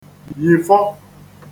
yifọ